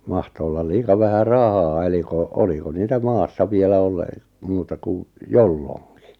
mahtoi olla liian vähän rahaa eli kun oliko niitä maassa vielä - muuta kuin jolloinkin